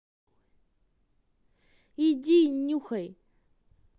иди нюхай